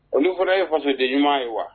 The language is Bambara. Olu fana ye fasɔden ɲuman ye wa?